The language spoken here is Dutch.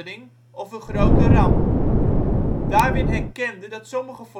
een grote ramp. Darwin herkende dat sommige